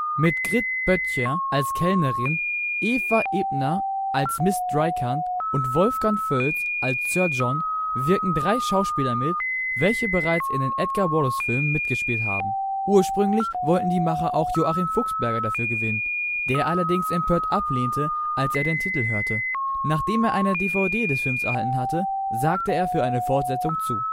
Mit Grit Boettcher als Kellnerin, Eva Ebner als Miss Drycunt und Wolfgang Völz als Sir John wirken drei Schauspieler mit, welche bereits in den Edgar-Wallace-Filmen mitgespielt haben. Ursprünglich wollten die Macher auch Joachim Fuchsberger dafür gewinnen, der allerdings empört ablehnte, als er den Titel hörte. Nachdem er eine DVD des Films erhalten hatte, sagte er für eine Fortsetzung zu